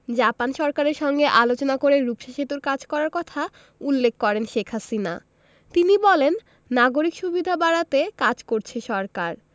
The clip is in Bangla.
জাপান সরকারের সঙ্গে আলোচনা করে রূপসা সেতুর কাজ করার কথা উল্লেখ করেন শেখ হাসিনা তিনি বলেন নাগরিক সুবিধা বাড়াতে কাজ করছে সরকার